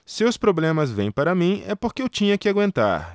se os problemas vêm para mim é porque eu tinha que aguentar